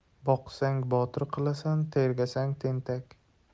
boqsang botir qilasan tergasang tentak